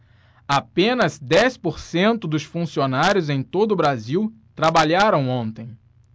apenas dez por cento dos funcionários em todo brasil trabalharam ontem